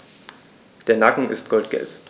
Der Nacken ist goldgelb.